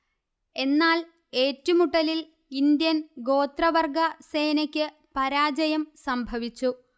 എന്നാൽ ഏറ്റുമുട്ടലിൽ ഇന്ത്യൻ ഗോത്രവർഗ സേനയ്ക്ക് പരാജയം സംഭവിച്ചു